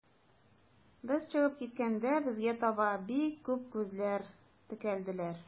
Без чыгып киткәндә, безгә таба бик күп күзләр текәлделәр.